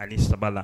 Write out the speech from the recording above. A saba la